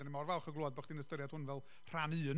dan ni mor falch o glywed bod chdi'n ystyried hwn fel rhan un.